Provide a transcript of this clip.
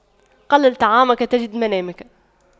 أقلل طعامك تجد منامك